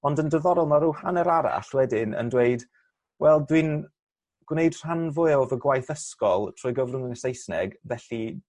Ond yn diddorol ma' ryw hanner arall wedyn yn dweud wel dwi'n gwneud rhan fwya o fy gwaith ysgol trwy gyfrwng y Saesneg felly